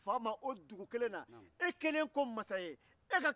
i bɛ taa kɛ dufaramuso ni balemayafaramuso de ye